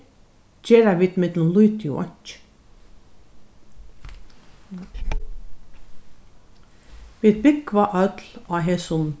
gera vit millum lítið og einki vit búgva øll á hesum